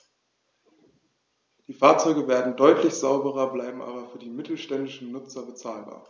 Die Fahrzeuge werden deutlich sauberer, bleiben aber für die mittelständischen Nutzer bezahlbar.